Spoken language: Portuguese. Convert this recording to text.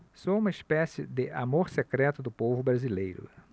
sou uma espécie de amor secreto do povo brasileiro